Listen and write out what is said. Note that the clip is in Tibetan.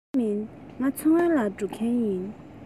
ལོག གི མིན ང མཚོ སྔོན ལ འགྲོ མཁན ཡིན